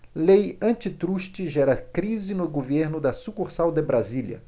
lei antitruste gera crise no governo da sucursal de brasília